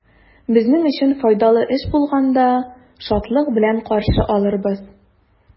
Безнең өчен файдалы эш булганда, шатлык белән каршы алырбыз.